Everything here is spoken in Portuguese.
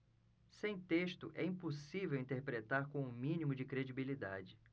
sem texto é impossível interpretar com o mínimo de credibilidade